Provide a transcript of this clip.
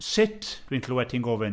Sut, dwi'n clywed ti'n gofyn?